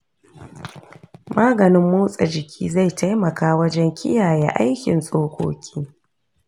maganin motsa jiki zai taimaka wajen kiyaye aikin tsokoki.